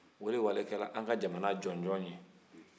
o de wale kɛr'an ka jamana jɔnjɔn ye